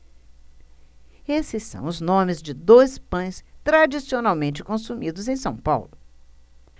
esses são os nomes de dois pães tradicionalmente consumidos em são paulo